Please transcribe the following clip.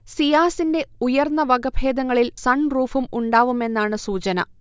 സിയാസിന്റെ ഉയർന്ന വകഭേദങ്ങളിൽ സൺറൂഫും ഉണ്ടാവുമെന്നാണ് സൂചന